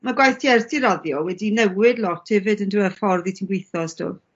ma' gwaith ti ers ti raddio wedi newid lot hefyd yndyw e? Y ffordd yt ti'n gwitho ar stwff.